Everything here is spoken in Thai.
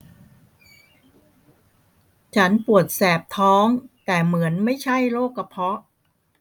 ฉันปวดแสบท้องแต่เหมือนไม่ใช่โรคกระเพาะ